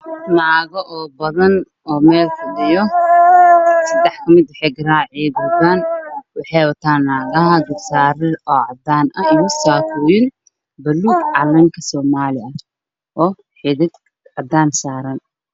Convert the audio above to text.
Waa naago badan oo meel fadhiyo